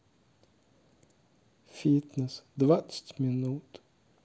фитнес двадцать минут